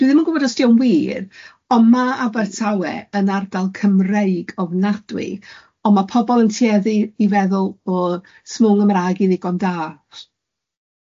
Dwi ddim yn gwybod os dio'n wir, ond ma' Abertawe yn ardal Cymreig ofnadwy, ond ma' pobl yn tueddu i feddwl o smwng Gymraeg i ddigon da.